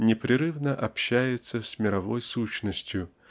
непрерывно общается с мировой сущностью